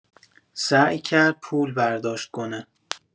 سعی کرد پول برداشت کنه.